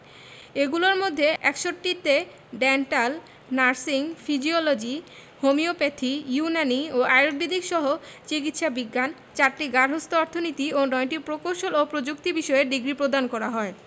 এগুলোর মধ্যে ৬১তে dental nursing physiology homeopathy Unani ও আর্য়ুবেদিকসহ চিকিৎসা বিজ্ঞান ৪টি গার্হস্থ্য অর্থনীতি এবং ৯টি প্রকৌশল ও প্রযুক্তি বিষয়ে ডিগ্রি প্রদান করা হয়